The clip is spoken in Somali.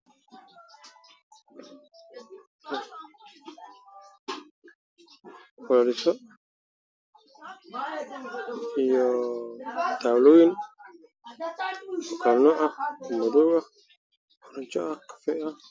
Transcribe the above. Waa armaajo midabkeedu yahay madow waxaa ku jira weelka